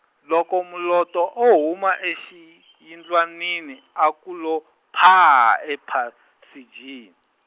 loko Moloto o huma exiyindlwanini a ku lo paa ephasejini.